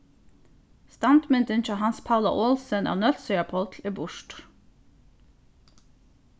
standmyndin hjá hans paula olsen av nólsoyar páll er burtur